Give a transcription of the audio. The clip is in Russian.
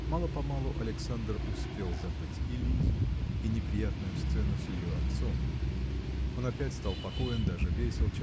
Мало-помалу Александр успел забыть и Лизу и неприятную сцену с ее отцом. Он опять стал покоен даже весел